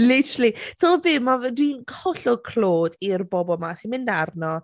Literally. Ti'n gwybod be. Ma' fe dwi'n hollol clôd i'r bobl 'ma sy'n mynd arno.